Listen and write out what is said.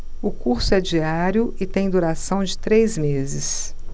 o curso é diário e tem duração de três meses